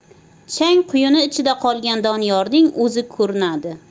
chang quyuni ichida qolgan doniyorning uzi ko'rinadi